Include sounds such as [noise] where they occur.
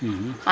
[hesitation] [hesitation]